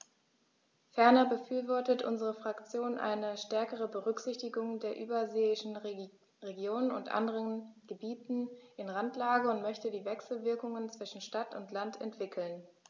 Ferner befürwortet unsere Fraktion eine stärkere Berücksichtigung der überseeischen Regionen und anderen Gebieten in Randlage und möchte die Wechselwirkungen zwischen Stadt und Land entwickeln.